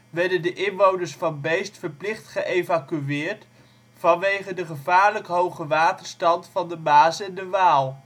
werden de inwoners van Beesd verplicht geëvacueerd vanwege de gevaarlijk hoge waterstand